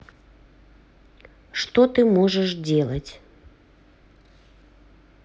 что ты можешь делать